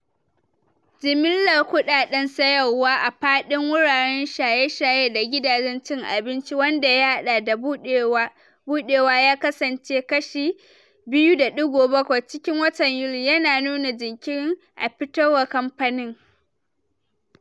Jimillar kudaden sayarwa a fadin wuraren shaye-shaye da gidajen cin abinci, wanda ya hada da budewa, ya kasance kashi 2.7 cikin watan Yuli, yana nuna jinkirin a fitarwar kamfanin.